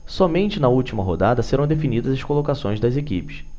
somente na última rodada serão definidas as colocações das equipes